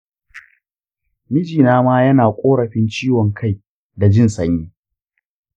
mijina ma yana korafin ciwon kai da jin sanyi.